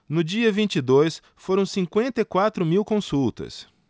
no dia vinte e dois foram cinquenta e quatro mil consultas